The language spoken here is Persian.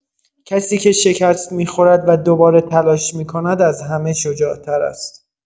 کسی که شکست می‌خورد و دوباره تلاش می‌کند از همه شجاع‌تر است.